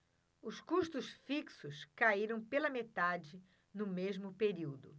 os custos fixos caíram pela metade no mesmo período